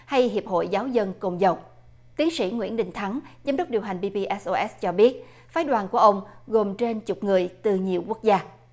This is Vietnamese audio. hay hiệp hội giáo dân cồn dầu tiến sĩ nguyễn đình thắng giám đốc điều hành pi pi ét ô ét cho biết phái đoàn của ông gồm trên chục người từ nhiều quốc gia